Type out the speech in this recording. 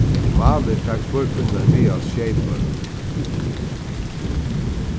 í mali fær hvør kvinna í miðal sjey børn